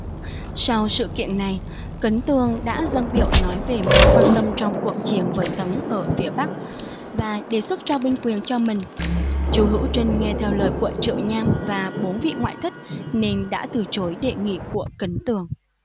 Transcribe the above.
sau sự kiện này kính tường đã dâng biểu nói về mối quan tâm trong cuộc chiến với tấn ở phía bắc và đề xuất trao binh quyền cho mình chu hữu trinh nghe theo lời của triệu nham và bốn vị ngoại thích nên đã từ chối đề nghị của kính tường